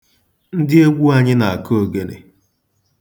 Ndị egwu anyị na-akụ ogene.